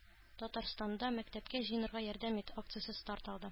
Татарстанда “Мәктәпкә җыенырга ярдәм ит!” акциясе старт алды